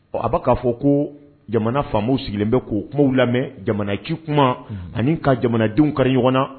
Ɔ a b' k'a fɔ ko jamana faamuw sigilen bɛ k'o kuma lamɛn jamana iki kuma ani ka jamanadenw kari ɲɔgɔn na